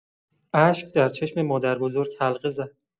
اشک در چشم مادربزرگ حلقه زد.